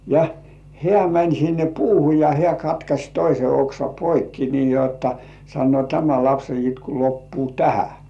ja hän meni sinne puuhun ja hän katkaisi toisen oksan poikki niin jotta sanoo tämä lapsen itku loppuu tähän